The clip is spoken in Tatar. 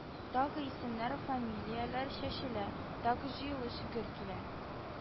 Тагы исемнәр, фамилияләр чәчелә, тагы җыелыш гөр килә